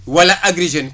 wala Agri Jeunes